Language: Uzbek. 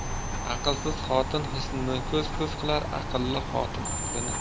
aqlsiz xotin husnini ko'z ko'z qilar aqlli xotin aqlini